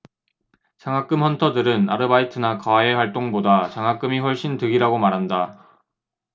장학금 헌터들은 아르바이트나 과외 활동보다 장학금이 훨씬 득이라고 말한다